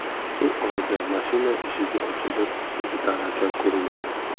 bu orada mashina eshigi ochilib yigitali aka ko'rindi